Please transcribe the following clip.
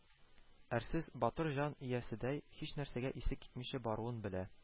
Әрсез, батыр җан ияседәй һичнәрсәгә исе китмичә баруын белә